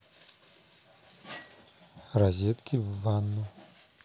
розетки в ванну